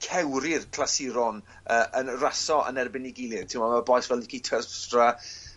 cewri'r clasuron yy yn raso yn erbyn 'i gilydd t'mo' y bois fel Niki Terpstra